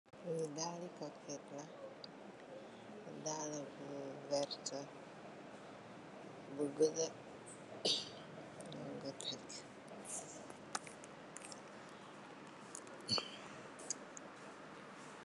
Li nak dalala daluh bi nak munge bulah ak wertah